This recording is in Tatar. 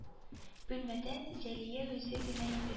Бүлмәдә зәлия үзе генә иде